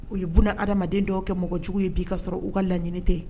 O yeunda hadamadenya dɔw kɛ mɔgɔjugu ye b bii ka sɔrɔ u ka laɲini tɛ